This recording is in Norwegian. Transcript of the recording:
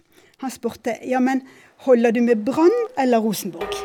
Han spurte Jammen, holder du med Brann eller Rosenborg?